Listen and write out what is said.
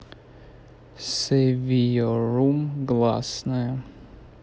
seviyorum гласная